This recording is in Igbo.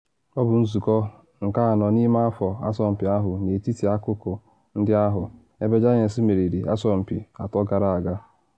Ọ bụ nzụkọ nke anọ n’ime afọ asọmpi ahụ n’etiti akụkụ ndị ahụ, ebe Giants meriri asọmpi atọ gara aga.